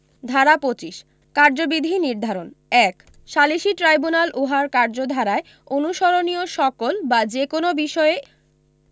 ধারা ২৫ কার্যবিধি নির্ধারণ ১ সালিসী ট্রাইব্যুনাল উহার কার্যধারায় অনুসরণীয় সকল বা যে কোন বিষয়ে